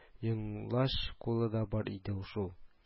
Йонлач кулы да бар иде ул шул